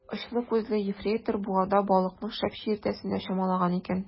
Очлы күзле ефрейтор буада балыкның шәп чиертәсен дә чамалаган икән.